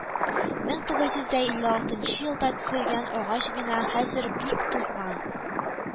Мең тугыз йөз дә илле алтынчы елда төзелгән агач бина хәзер бик тузган